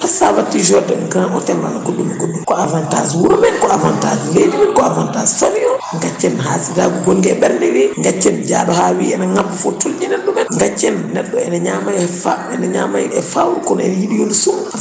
par ce que sa watti * grand hôtel ma goɗɗum e goɗɗum ko avantage wuuro me ko avantage leydi ndi ko avantage famille o gaccen hassidagu gonɗi e ɓeerɗe ɗi gaccen jaaɗo ha wi ene ngabba fo tulñinenen ɗumen gaccen neɗɗo ene ñama e fa ene ñama e fawru kono ene yiiɗi yodu suum